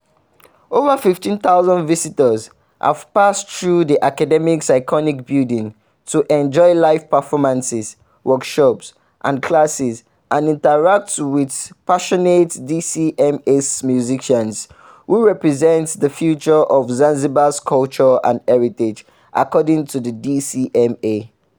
Over 15,000 visitors have passed through the academy’s iconic building to enjoy live performances, workshops and classes and interact with passionate DCMA musicians who represent the future of Zanzibar culture and heritage, according to the DCMA.